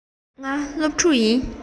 ང སློབ ཕྲུག ཡིན